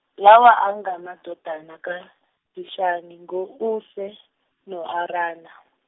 lawa angamadodana kaDishani ngo Use no Arana.